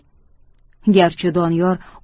garchi doniyor